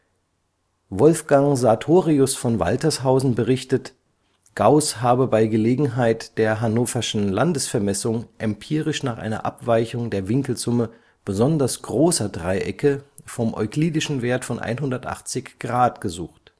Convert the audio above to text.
Wolfgang Sartorius von Waltershausen berichtet, Gauß habe bei Gelegenheit der Hannoverschen Landesvermessung empirisch nach einer Abweichung der Winkelsumme besonders großer Dreiecke vom euklidischen Wert von 180° gesucht